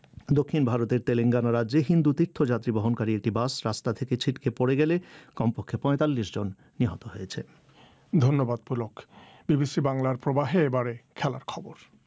দক্ষিণ ভারতের তেলেঙ্গানা রাজ্যে হিন্দু তীর্থ যাত্রী বহনকারী একটি বাস রাস্তা থেকে ছিটকে পড়ে গেলে কমপক্ষে ৪৫ জন নিহত হয়েছে ধন্যবাদ পুলক বিবিসি বাংলার প্রবাহে এবারে খেলার খবর